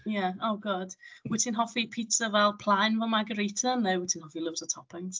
Ie, o gwd. Wyt ti'n hoffi pitsa fel plaen, fel margarita, neu wyt ti'n hoffi loads o toppings?